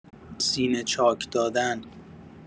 سینه‌چاک دادن